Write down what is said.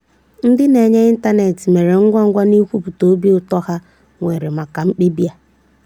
Ndị na-eji ịntaneetị mere ngwangwa n'ikwupụta obi ụtọ ha nwere maka mkpebi a.